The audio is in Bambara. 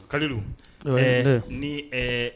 Ka dun ni